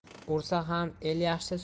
ursa ham el yaxshi